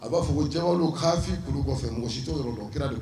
A b'a fɔ ko ja'fi kɔfɛ mɔgɔ si yɔrɔ kira